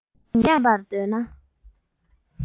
རོལ དབྱངས ཉན པར འདོད ན